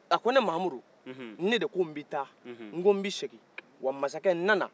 a ko ne mamudu ne de ko nb'i ta nko nb'i segin wa masakɛ nnana